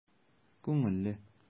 Күңелле!